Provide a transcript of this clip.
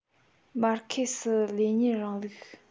མར ཁེ སི ལེ ཉིན རིང ལུགས